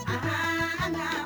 San